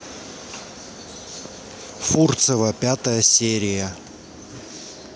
фурцева пятая серия